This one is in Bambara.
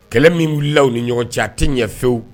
Kɛlɛ min wulila la u ni ɲɔgɔn cati ɲɛ pewu